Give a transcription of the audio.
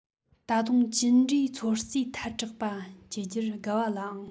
ད དུང ཅི འདྲའི ཚོད རྩིས ཐལ དྲགས པ བགྱི རྒྱུར དགའ བ ལ ཨང